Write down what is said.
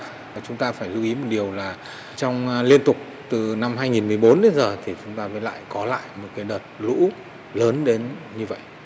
và chúng ta phải lưu ý một điều là trong a liên tục từ năm hai nghìn mười bốn đến giờ thì chúng ta mới lại có lại một cái đợt lũ lớn đến như vậy